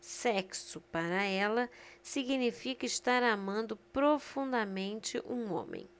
sexo para ela significa estar amando profundamente um homem